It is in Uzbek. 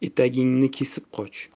etagingni kesib qoch